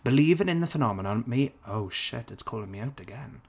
Believing in the phenomenon may... Oh shit, it's calling me out again.